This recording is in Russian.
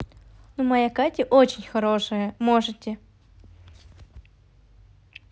ну моя катя очень хорошая можете